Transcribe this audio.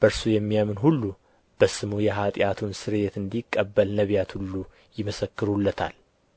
በእርሱ የሚያምን ሁሉ በስሙ የኃጢአቱን ስርየት እንዲቀበል ነቢያት ሁሉ ይመሰክሩለታል